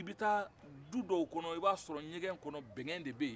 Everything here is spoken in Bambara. i bɛ taa du dɔw kɔnɔ i b'a sɔrɔ ɲegɛn kɔnɔ bɛngɛn de bɛ yen